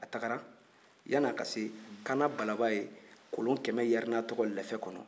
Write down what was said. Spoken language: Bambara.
a taara yanni a ka se kaana balaba ye kolon kɛmɛ yaari n'a tɔgɔ ye lɛfɛ kɔnɔ